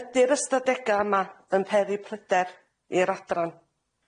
Ydi'r ystadega' yma yn peri pryder i'r adran?